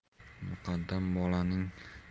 muqaddam bolaning shamollab